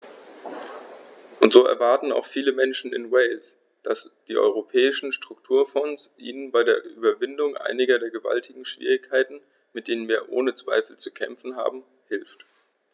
Und so erwarten auch viele Menschen in Wales, dass die Europäischen Strukturfonds ihnen bei der Überwindung einiger der gewaltigen Schwierigkeiten, mit denen wir ohne Zweifel zu kämpfen haben, hilft.